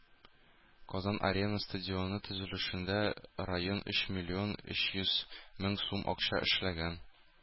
“казан-арена” стадионы төзелешендә район өч миллион өч йөз мең сум акча эшләгән.